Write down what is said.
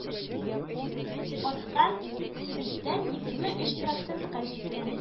Арткан: сигездән егерме өч процентка җиткән.